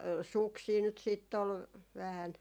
suksia nyt sitten oli vähän